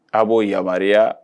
A bo yamariya.